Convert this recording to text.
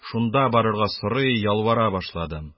Шунда барырга сорый, ялвара башладым.